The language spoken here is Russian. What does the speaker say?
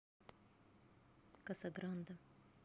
касагранде